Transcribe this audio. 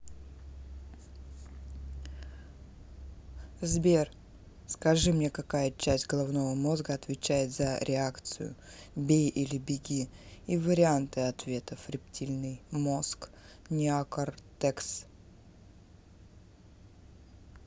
сбер скажи мне какая часть головного мозга отвечает за реакцию бей или беги и варианты ответов рептильный мозг неокортекс